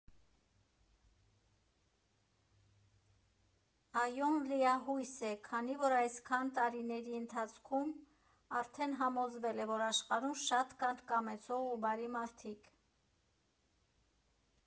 ԱՅՈ֊ն լիահույս է, քանի որ այսքան տարիների ընթացքում արդեն համոզվել է, որ աշխարհում շատ կան կամեցող ու բարի մարդիկ։